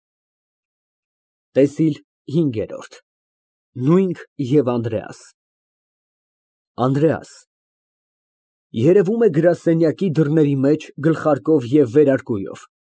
ՏԵՍԻԼ ՀԻՆԳԵՐՈՐԴ ՆՈՒՅՆՔ ԵՎ ԱՆԴՐԵԱՍ ԱՆԴՐԵԱՍ ֊ (Երևում է գրասենյակի դռների մեջ գլխարկով ու վերարկուով։